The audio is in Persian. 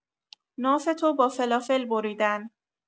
نافتو با فلافل بریدن